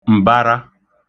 m̀bara